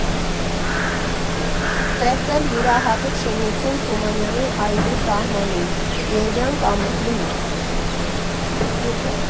Ստեղծել յուրահատուկ շինություն Թումանյանի այգու սահմանին՝ Կիևյան կամրջի մոտ։